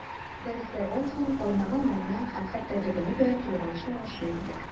Дәресләрдән соң кайнаган майны һәм хәтта дөгене дә туйганчы ашый идек.